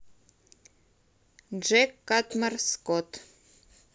джек катмор скотт